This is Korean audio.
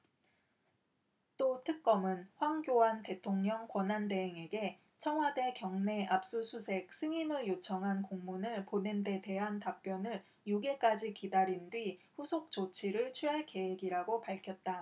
또 특검은 황교안 대통령 권한대행에게 청와대 경내 압수수색 승인을 요청한 공문을 보낸 데 대한 답변을 육 일까지 기다린 뒤 후속 조치를 취할 계획이라고 밝혔다